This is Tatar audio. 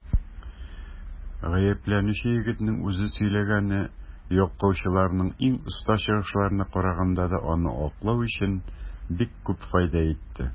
Гаепләнүче егетнең үзе сөйләгәне яклаучыларның иң оста чыгышларына караганда да аны аклау өчен бик күп файда итте.